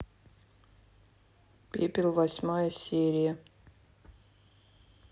пепел восьмая серия